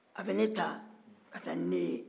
a bɛ ne ta ka taa ni ne ye